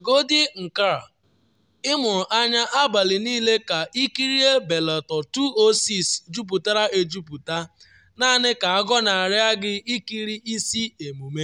Chegodi nke a, ịmụrụ anya abalị niile ka ikirie Bellator 206 juputara ejuputa, naanị ka agọnarị gị ikiri isi emume.